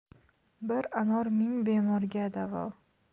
bir anor ming bemorga davo